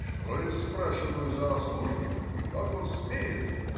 — Что это,— спрашиваю,— за ослушник, и как он смеет?